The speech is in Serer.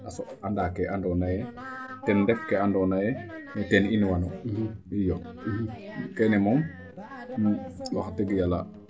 a soɓ andaa ke ando naye ten ref kee ando naye ten in wano iyo keene moom wax deg yala